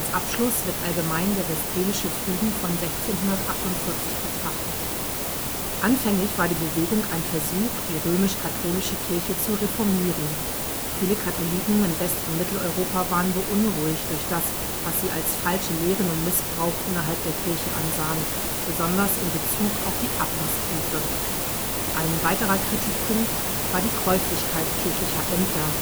Abschluss wird allgemein der Westfälische Frieden von 1648 betrachtet. Anfänglich war die Bewegung ein Versuch, die römisch-katholische Kirche zu reformieren. Viele Katholiken in West - und Mitteleuropa waren beunruhigt durch das, was sie als falsche Lehren und Missbrauch innerhalb der Kirche ansahen, besonders in Bezug auf die Ablassbriefe. Ein weiterer Kritikpunkt war die Käuflichkeit kirchlicher Ämter